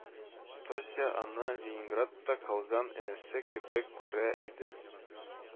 Тося аны Ленинградта калган энесе кебек күрә иде